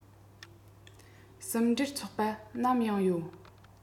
གསུམ འབྲེལ ཚོགས པ ནམ ཡང ཡོད